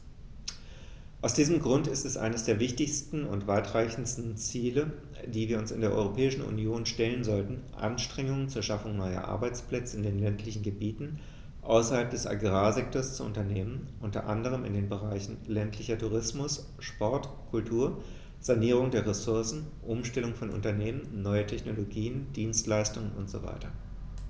Aus diesem Grund ist es eines der wichtigsten und weitreichendsten Ziele, die wir uns in der Europäischen Union stellen sollten, Anstrengungen zur Schaffung neuer Arbeitsplätze in den ländlichen Gebieten außerhalb des Agrarsektors zu unternehmen, unter anderem in den Bereichen ländlicher Tourismus, Sport, Kultur, Sanierung der Ressourcen, Umstellung von Unternehmen, neue Technologien, Dienstleistungen usw.